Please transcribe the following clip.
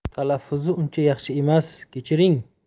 talaffuzi uncha yaxshi emas kechiring